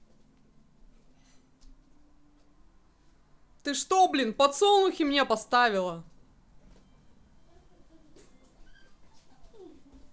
ты что блин подсолнухи мне поставила